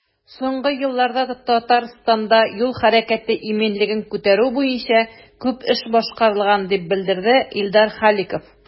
Соңгы елларда Татарстанда юл хәрәкәте иминлеген күтәрү буенча күп эш башкарылган, дип белдерде Илдар Халиков.